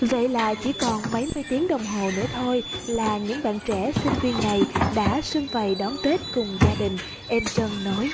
vậy là chỉ còn mấy mươi tiếng đồng hồ nữa thôi là những bạn trẻ sinh viên này đã sum vầy đón tết cùng gia đình em châm nói